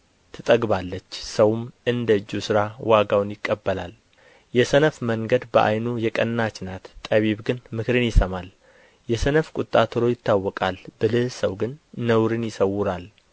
ትጠግባለች ሰውም እንደ እጁ ሥራ ዋጋውን ይቀበላል የሰነፍ መንገድ በዓይኑ የቀናች ናት ጠቢብ ግን ምክርን ይሰማል የሰነፍ ቍጣ ቶሎ ይታወቃል ብልህ ሰው ግን ነውርን ይሰውራል